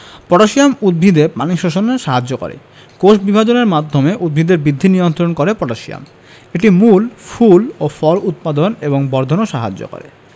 potassium উদ্ভিদে পানি শোষণে সাহায্য করে কোষবিভাজনের মাধ্যমে উদ্ভিদের বৃদ্ধি নিয়ন্ত্রণ করে পটাশিয়াম এটি মূল ফুল ও ফল উৎপাদন এবং বর্ধনেও সাহায্য করে